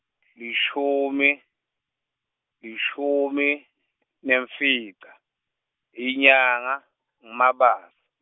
lishumi, lishumi, nemfica, inyanga, nguMabasa.